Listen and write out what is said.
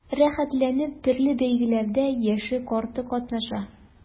Рәхәтләнеп төрле бәйгеләрдә яше-карты катнаша.